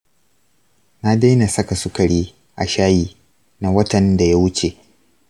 na daina saka sukari a shayi na watan da ya wuce.